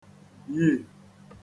yì